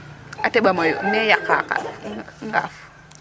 A teƥ a mayu ne yaqa kaaf, ngaaf ?